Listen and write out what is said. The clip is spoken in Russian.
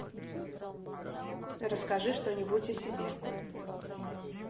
расскажи что нибудь о себе